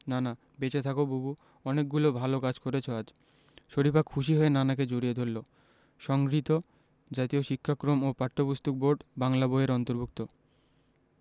নানা বেঁচে থাকো বুবু অনেকগুলো ভালো কাজ করেছ আজ শরিফা খুশি হয়ে নানাকে জড়িয়ে ধরল সংগৃহীত জাতীয় শিক্ষাক্রম ও পাঠ্যপুস্তক বোর্ড বাংলা বই এর অন্তর্ভুক্ত